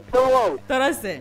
Ɔ u taara sɛ